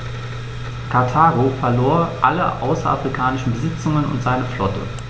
Karthago verlor alle außerafrikanischen Besitzungen und seine Flotte.